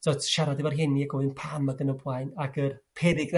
t'od siarad efo rheni a go'yn pam ag yn y blaen ag y peryg